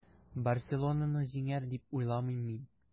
“барселона”ны җиңәр, дип уйламыйм мин.